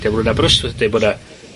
...deu mewn Aberystwyth, deu bo' 'na...